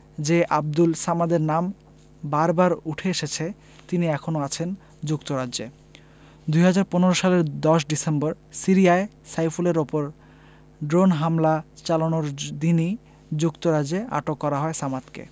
যে আবদুল সামাদের নাম বারবার উঠে এসেছে তিনি এখনো আছেন যুক্তরাজ্যে ২০১৫ সালের ১০ ডিসেম্বর সিরিয়ায় সাইফুলের ওপর ড্রোন হামলা চালানোর দিনই যুক্তরাজ্যে আটক করা হয় সামাদকে